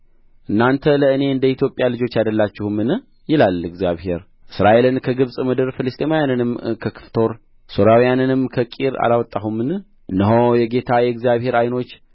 እናንተ ለእኔ እንደ ኢትዮጵያ ልጆች አይደላችሁምን ይላል እግዚአብሔር እስራኤልን ከግብጽ ምድር ፍልስጥኤማውያንንም ከከፍቶር ሶርያውያንንም ከቂር አላወጣሁምን እነሆ የጌታ የእግዚአብሔር ዓይኖች